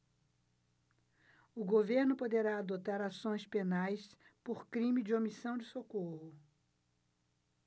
o governo poderá adotar ações penais por crime de omissão de socorro